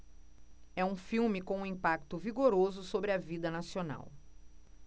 é um filme com um impacto vigoroso sobre a vida nacional